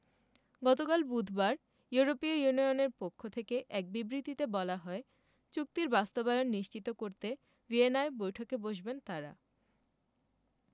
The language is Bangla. গতকাল বুধবার ইউরোপীয় ইউনিয়নের পক্ষ থেকে এক বিবৃতিতে বলা হয় চুক্তির বাস্তবায়ন নিশ্চিত করতে ভিয়েনায় বৈঠকে বসবেন তাঁরা